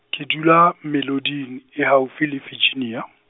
ke dula, Meloding e haufi le Virginia.